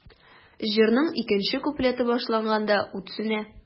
Җырның икенче куплеты башланганда, ут сүнә.